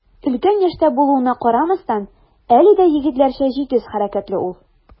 Өлкән яшьтә булуына карамастан, әле дә егетләрчә җитез хәрәкәтле ул.